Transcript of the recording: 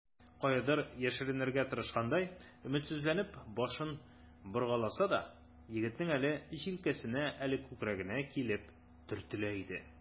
Каядыр яшеренергә тырышкандай, өметсезләнеп башын боргаласа да, егетнең әле җилкәсенә, әле күкрәгенә килеп төртелә иде.